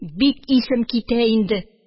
Бик исем китә инде...